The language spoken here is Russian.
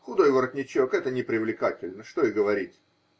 Худой воротничек -- это не привлекательно, что и говорить.